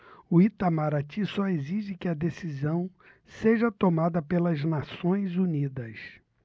o itamaraty só exige que a decisão seja tomada pelas nações unidas